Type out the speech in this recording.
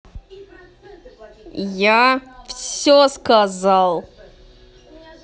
я все сказал